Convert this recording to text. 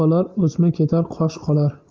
o'sma ketar qosh qolar